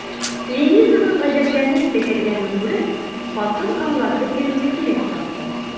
Ленизаның гаҗәпләнеп текәлгәнен күреп, хатын аңлатып бирүне кирәк тапты.